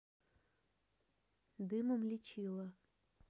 дымом лечила